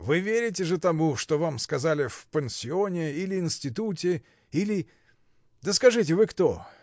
— Вы верите же тому, что вам сказали в пансионе или институте. или. Да скажите: вы кто?